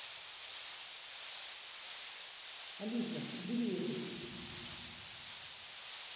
алиса убери эту